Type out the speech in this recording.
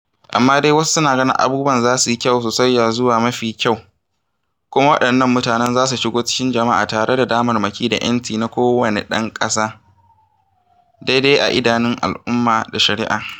Amma dai wasu suna ganin abubuwan za su yi kyau su sauya zuwa mafi kyau kuma waɗannan mutanen za su shigo cikin jama'a tare da damarmaki da 'yanci na kowane ɗan ƙasa, daidai a idanun al'umma da shari'a.